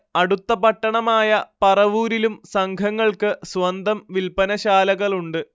അടുത്ത പട്ടണമായ പറവൂരിലും സംഘങ്ങൾക്ക് സ്വന്തം വില്പനശാലകളുണ്ട്